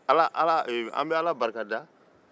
an bɛ ala barikada